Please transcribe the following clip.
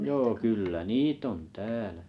joo kyllä niitä on täällä